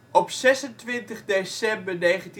Op 26 december 1978